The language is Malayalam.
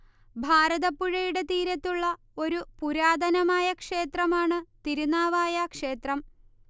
ഭാരതപ്പുഴയുടെ തീരത്തുള്ള ഒരു പുരാതനമായ ക്ഷേത്രമാണ് തിരുനാവായ ക്ഷേത്രം